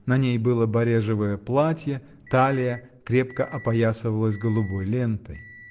на ней было барежевое платье, талия крепко опоясывалась голубой лентой.